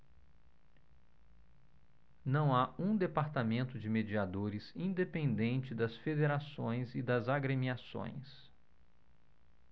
não há um departamento de mediadores independente das federações e das agremiações